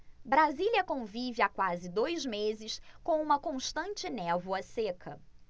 brasília convive há quase dois meses com uma constante névoa seca